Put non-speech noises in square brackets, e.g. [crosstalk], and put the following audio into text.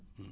[hesitation]